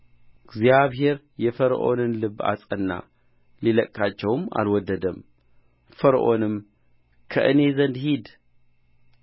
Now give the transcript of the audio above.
እግዚአብሔር የፈርዖንን ልብ አጸና ሊለቅቃቸውም አልወደደም ፈርዖንም ከእኔ ዘንድ ሂድ